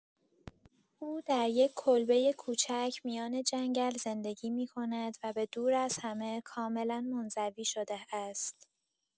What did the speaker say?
او در یک کلبه کوچک میان جنگل زندگی می‌کند و به دور از همه، کاملا منزوی شده است.